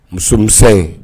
Musomisɛn